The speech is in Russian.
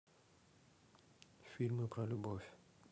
фильмы про любовь